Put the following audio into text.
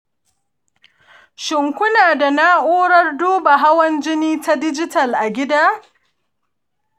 shin, kuna da na'urar duba hawan jini ta dijital a gida?